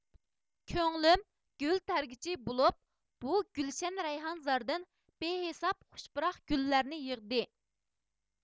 كۆڭلۈم گۈل تەرگۈچى بولۇپ بۇ گۈلشەن رەيھانزارىدىن بىھېساب خۇش پۇراق گۈللەرنى يىغدى